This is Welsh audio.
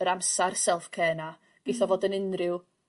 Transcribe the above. yr amsar self care 'na geith o fod yn unryw